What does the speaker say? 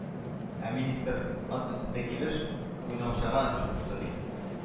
Ә министр, ат өстендә килеш, уйнаучыга сүз кушты, ди: